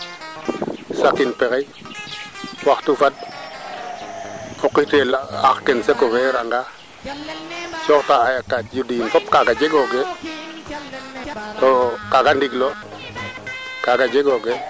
merci beaucoup Mame Waly Faye o ndeta ngaan presque muuka faley fee fop mais i ndoka nga no wacaay ndiing manaam a pigax ande a pigax tiga laacu parce que o ɓay ne fig waa to ande utile manaam